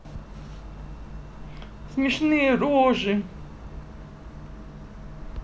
смешные рожи